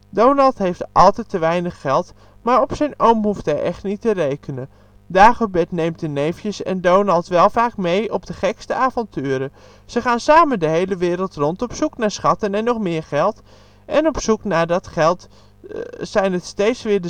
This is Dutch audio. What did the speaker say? Donald heeft altijd te weinig geld, maar op zijn oom hoeft hij echt niet te rekenen. Dagobert neemt de neefjes en Donald wel vaak mee op de gekste avonturen. Ze gaan samen de hele wereld rond op zoek naar schatten en nog meer geld, En op zoek naar dat geld zijn het steeds weer